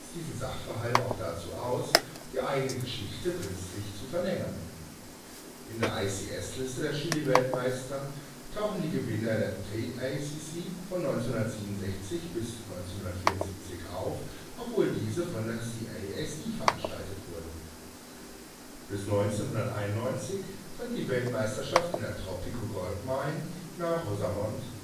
diesen Sachverhalt auch dazu aus, die eigene Geschichte künstlich zu verlängern: In der ICS-Liste der Chili-Weltmeister tauchen die Gewinner der TICC von 1967 bis 1974 auf, obwohl diese von der CASI veranstaltet wurden. Bis 1991 fand die Weltmeisterschaft in der Tropico Gold Mine nahe Rosamond (Kalifornien